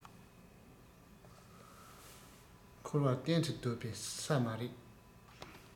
འཁོར བ གཏན དུ སྡོད པའི ས མ རེད